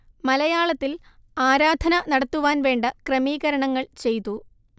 മലയാളത്തിൽ ആരാധന നടത്തുവാൻ വേണ്ട ക്രമീകരണങ്ങൾ ചെയ്തു